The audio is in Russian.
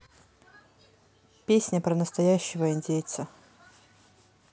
песня про настоящего индейца